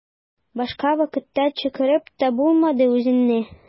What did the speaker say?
Башка вакытта чакырып та булмады үзеңне.